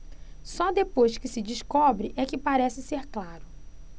só depois que se descobre é que parece ser claro